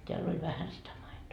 täällä oli vähän sitä maitoa